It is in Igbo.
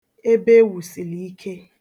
ebewùsìlìike